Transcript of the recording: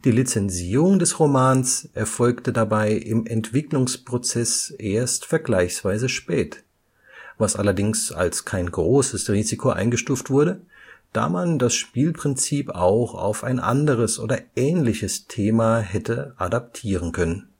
Lizenzierung des Romans erfolgte dabei im Entwicklungsprozess erst vergleichsweise spät, was allerdings als kein großes Risiko eingestuft wurde, da man das Spielprinzip auch auf ein anderes oder ähnliches Thema hätte adaptieren können